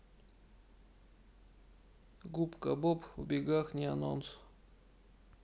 губка боб в бегах не анонс